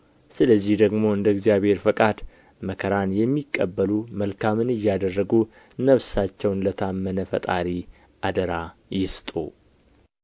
ስለዚህ ደግሞ እንደ እግዚአብሔር ፈቃድ መከራን የሚቀበሉ መልካምን እያደረጉ ነፍሳቸውን ለታመነ ፈጣሪ አደራ ይስጡ